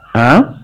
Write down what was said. A